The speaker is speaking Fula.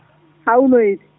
hawloyde